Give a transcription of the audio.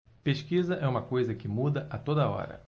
pesquisa é uma coisa que muda a toda hora